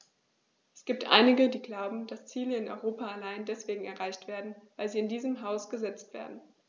Es gibt einige, die glauben, dass Ziele in Europa allein deswegen erreicht werden, weil sie in diesem Haus gesetzt werden.